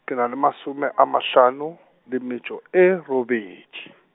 ke na le masome a mahlano, le metšo e robedi.